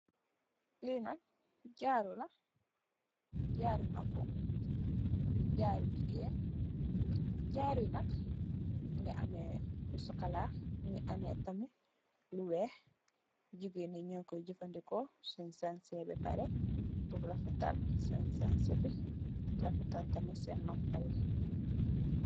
Lii nak jaaru la, jaaru noppu, jaaru jigeen, jaaru yi nak mingi amme lu sokola, minigi amme tamit lu weex, jigeen yi nyu koy jafandiko, sunj sanse ba pare, pur refetal sanse bi, refetal tamit sen noppa yi.